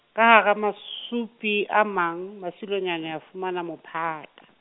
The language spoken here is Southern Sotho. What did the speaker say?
ka hara masupi a mang, Masilonyane a fumana mophata.